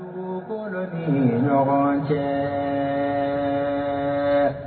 Muso kɔrɔsoninɲɔgɔn cɛ